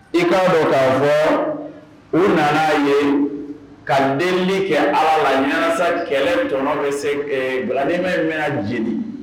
I ka dɔn ka fɔ, u nana ye ka delili kɛ Ala la walasa kɛlɛ tɔnɔn bɛ se bɛna jeni.